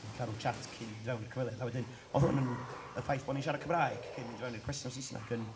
neu cal ryw chat cyn i fynd i mewn i'r cyfweliad, a wedyn oedd hwn yn... y ffaith bod ni'n siarad Cymraeg cyn mynd fewn i'r cwestiwn yn Saesneg yn,